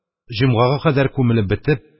Җомгага кадәр күмелеп бетеп,